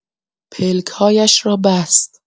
پلک‌هایش را بست.